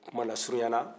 kuma na surunyana